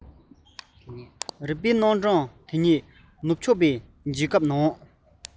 རིག པའི རྣམ གྲངས འདི ཉིད ནུབ ཕྱོགས པའི རྒྱལ ཁབ ནང